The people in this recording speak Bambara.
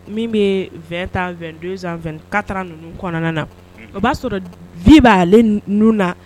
Min bɛ2tan2 kata ninnu kɔnɔna na o b'a sɔrɔ vlen ninnu na